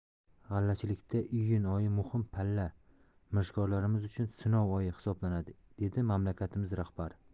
g'allachilikda iyun oyi muhim palla mirishkorlarimiz uchun sinov oyi hisoblanadi dedi mamlakatimiz rahbari